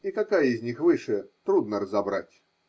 и какая из них выше – трудно разобрать.